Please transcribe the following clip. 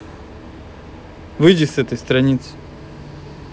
выйди с этой страницы